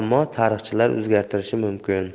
ammo tarixchilar o'zgartirishi mumkin